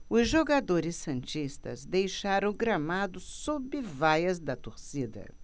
os jogadores santistas deixaram o gramado sob vaias da torcida